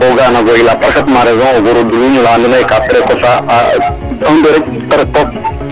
o qoya yaga koy il a parfaitement raison o goor o duluñ ola andoona yee ka précoce a 1 2 rek ta ret took